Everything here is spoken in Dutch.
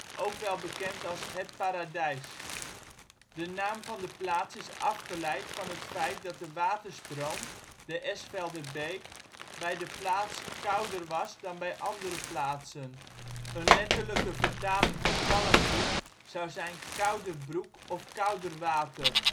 ook wel bekend als Het Paradijs. De naam van de plaats is afgeleid van het feit dat de waterstroom, de Esvelderbeek, bij de plaats kouder was dan bij andere plaatsen, letterlijk vertaling van Kallenbroek zou zijn kouderbroek of kouderwater